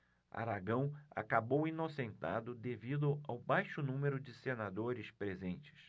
aragão acabou inocentado devido ao baixo número de senadores presentes